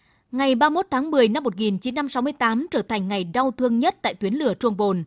ngày ba mốt tháng mười năm một nghìn chín trăm sáu mươi tám trở thành ngày đau thương nhất tại tuyến lửa truông bồn